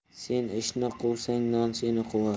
sen ishni quvsang non seni quvar